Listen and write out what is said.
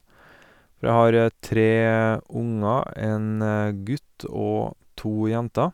For jeg har tre unger, en gutt og to jenter.